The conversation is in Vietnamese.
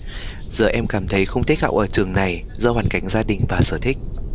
giờ em cảm thấy không thích học ở trường này do hoàn cảnh gia đình và sở thích